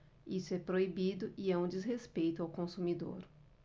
isso é proibido e é um desrespeito ao consumidor